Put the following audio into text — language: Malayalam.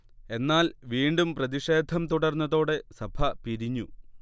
എന്നാൽ വീണ്ടും പ്രതിഷേധം തുടർന്നതോടെ സഭ പിരിഞ്ഞു